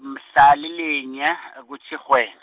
mhla lilinye , kuTjhirhweni.